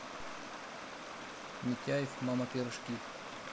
митяев мама пирожки